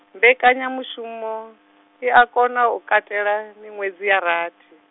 mbekanyamushumo, i a kona u katela, miṅwedzi ya rathi.